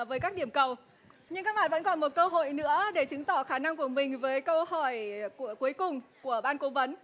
với các điểm cầu nhưng các bạn vẫn còn một cơ hội nữa để chứng tỏ khả năng của mình với câu hỏi của cuối cùng của ban cố vấn